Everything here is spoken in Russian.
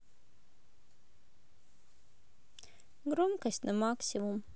громкость на максимум